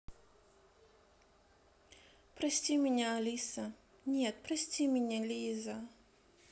прости меня алиса нет прости меня лиза